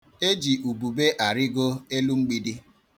E ji ubube arịgo elu mgbidi.